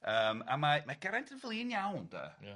Yym a mae mae Geraint yn flin iawn 'de... Ia...